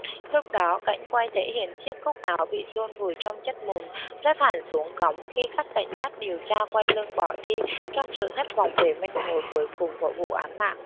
lúc đó cảnh quay thể hiện chiếc cúc áo bị chôn vùi trong chất mùn rớt hẳn xuống cống khi các cảnh sát điều tra quay lưng bỏ đi trong sự thất vọng về manh mối cuối cùng của vụ án mạng